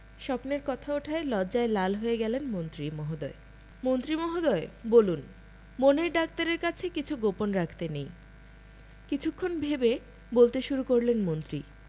স্বপ্নের কথা ওঠায় লজ্জায় লাল হয়ে গেলেন মন্ত্রী মহোদয় মন্ত্রী মহোদয় বলুন মনের ডাক্তারের কাছে কিছু গোপন রাখতে নেই কিছুক্ষণ ভেবে বলতে শুরু করলেন মন্ত্রী